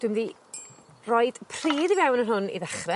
Dw i mynd i roid pridd i fewn yn hwn i ddechre.